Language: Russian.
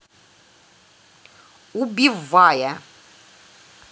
убивая